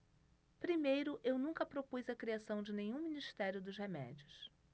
primeiro eu nunca propus a criação de nenhum ministério dos remédios